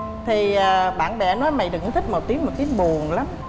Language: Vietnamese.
thì bạn bè nói mày đừng có thích màu tím màu tím buồn lắm